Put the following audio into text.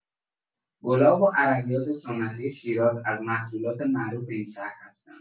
گلاب و عرقیات سنتی شیراز از محصولات معروف این شهر هستند.